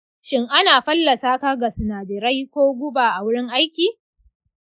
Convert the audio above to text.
shin ana fallasa ka ga sinadarai ko guba a wurin aiki?